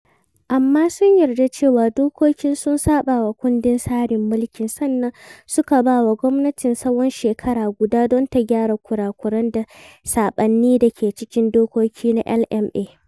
Amma sun yarda cewa dokokin sun saɓawa kundin tsarin mulki, sannan suka ba wa gwamnatin tsawon shekara guda don ta gyara kure-kuran da saɓani da ke cikin dokokin na LMA.